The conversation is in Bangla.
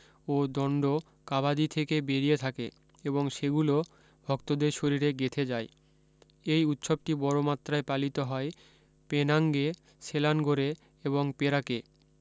ও দণ্ড কাভাদি থেকে বেরিয়ে থাকে এবং সেগুলো ভক্তদের শরীরে গেঁথে যায় এই উৎসবটি বড় মাত্রায় পালিত হয় পেনাঙ্গে সেলানগোরে এবং পেরাকে